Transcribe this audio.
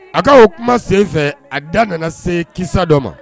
A k' oo kuma sen fɛ a da nana se kisa dɔ ma